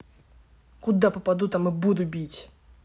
куда попаду там буду бить